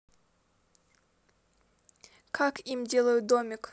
как им делают домик